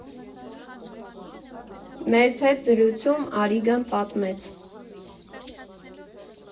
Մեզ հետ զրույցում Արիգան պատմեց.